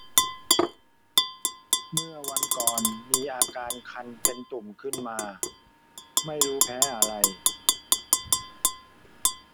เมื่อวันก่อนมีอาการคันเป็นตุ่มขึ้นมาไม่รู้แพ้อะไร